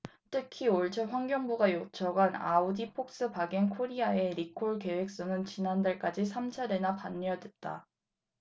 특히 올초 환경부가 요청한 아우디폭스바겐코리아의 리콜 계획서는 지난달까지 삼 차례나 반려됐다